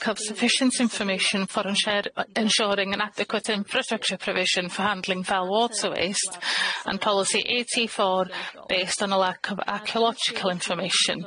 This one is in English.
of insufficient information for insure- insuring an adequate infrastructure provision for handling foul water waste and policy eighty four based on a lack of archeological information.